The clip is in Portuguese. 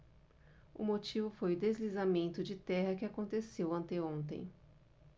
o motivo foi o deslizamento de terra que aconteceu anteontem